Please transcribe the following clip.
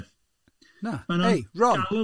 Na, ei, Ron!